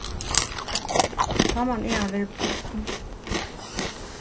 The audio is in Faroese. tá man eg hava verið barn